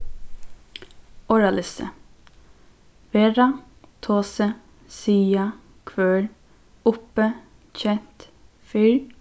orðalisti vera tosi siga hvør uppi kent fyrr